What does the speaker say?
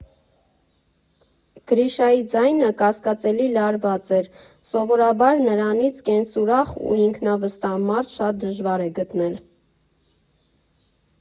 Գրիշայի ձայնը կասկածելի լարված էր՝ սովորաբար նրանից կենսուրախ ու ինքնավստահ մարդ շատ դժվար է գտնել։